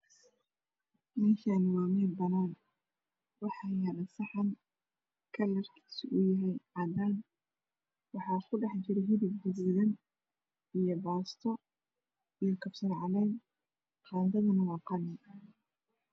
Meeshan waa meel banaan ah waxaa yaalo saxan kalarkiisu yahy qalin waxaa ku dhexjiro hilib guduudan iyo baasto iyo kabsar caleen qaadadana waa qalin